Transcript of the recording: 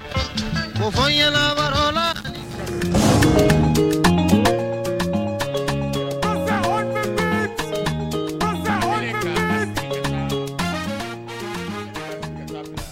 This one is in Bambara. Faama yɛlɛma se tɛ